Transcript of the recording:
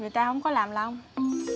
người ta hông có làm lông